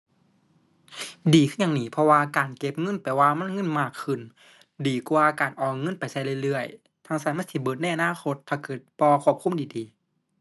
ดีคือหยังหนิ เพราะว่าการเก็บเงินแปลว่ามันเงินมากขึ้น ดีกว่าการเอาเงินไปใช้เรื่อยเรื่อย ถ้าจั่งซั้นมันสิเบิดในอนาคต ถ้าเกิดบ่ควบคุมดีดี